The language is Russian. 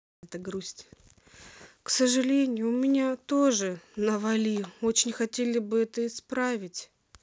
к сожалению у меня тоже навали очень хотела бы это исправить